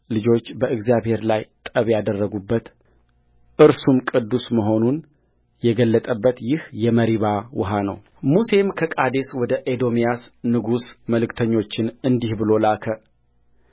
ልጆች በእግዚአብሔር ላይ ጠብ ያደረጉበት እርሱም ቅዱስ መሆኑን የገለጠበት ይህ የመሪባ ውኃ ነውሙሴም ከቃዴስ ወደ ኤዶምያስ ንጉሥ መልእክተኞችን እንዲህ ብሎ ላከ